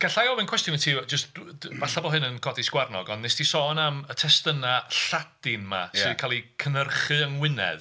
Galla i ofyn cwestiwn i ti jyst dw- dw- falle bod hyn yn codi sgwarnog ond wnest di sôn am y testunau Lladin 'ma... ia. ...sy 'di cael eu cynhyrchu yng Ngwynedd.